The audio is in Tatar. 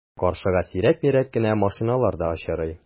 Каршыга сирәк-мирәк кенә машиналар да очрый.